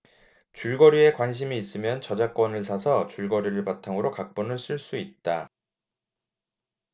줄거리에 관심이 있으면 저작권을 사서 줄거리를 바탕으로 각본을 쓸 수 있다